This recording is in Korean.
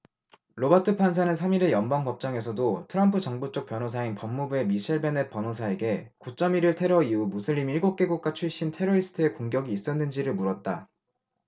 로바트 판사는 삼 일의 연방법정에서도 트럼프 정부쪽 변호사인 법무부의 미셀 베넷 변호사에게 구 쩜 일 일 테러 이후 무슬림 일곱 개국가 출신 테러리스트의 공격이 있었는지를 물었다